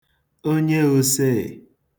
onye ōsēē